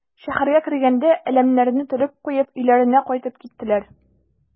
Шәһәргә кергәндә әләмнәрне төреп куеп өйләренә кайтып киттеләр.